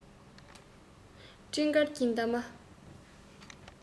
སྤྲིན དཀར གྱི འདབ མ